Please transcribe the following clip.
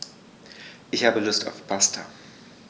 Ich habe Lust auf Pasta.